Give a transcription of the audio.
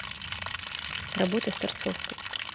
работа с торцовкой